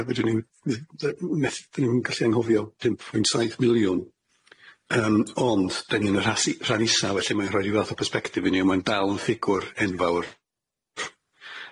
A fedrwn ni'n ne- 'dyn ni'm yn gallu anghofio pump pwynt saith miliwn, yym ond 'dan ni'n y rasi- rhan isa felly mae'n rhoid ryw fath o persbectif i ni a mae'n dal yn ffigwr enfawr.